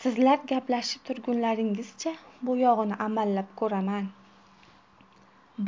sizlar gaplashib turgunlaringcha buyog'ini amallab ko'raman